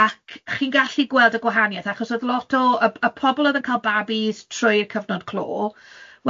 ac chi'n gallu gweld y gwahanieth, achos oedd lot o y y pobl oedd yn cael babis trwy'r cyfnod clo,